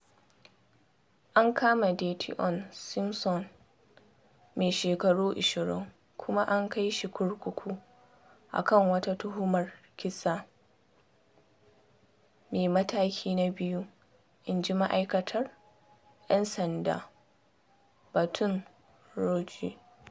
An kama Dyteon Simpson, mai shekaru 20 kuma an kai shi kurkuku a kan wata tuhumar kisa mai mataki na biyu, inji Ma’aikatar ‘Yan Sandan Baton Rouge.